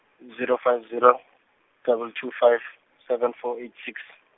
zero five zero, double two five, seven four eight six.